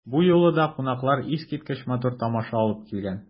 Бу юлы да кунаклар искиткеч матур тамаша алып килгән.